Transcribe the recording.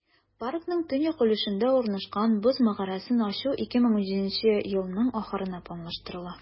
Паркның төньяк өлешендә урнашкан "Боз мәгарәсен" ачу 2017 елның ахырына планлаштырыла.